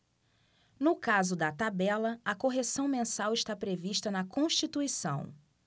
no caso da tabela a correção mensal está prevista na constituição